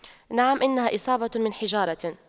نعم إنها إصابة من حجارة